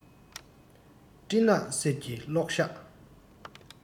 སྤྲིན ནག གསེབ ཀྱི གློག ཞགས